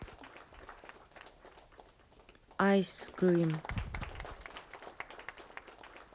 ice scream